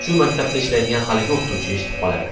shu maktabda ishlaydigan haligi o'qituvchi eshitib qoladi